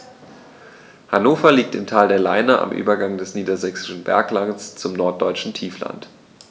Hannover liegt im Tal der Leine am Übergang des Niedersächsischen Berglands zum Norddeutschen Tiefland.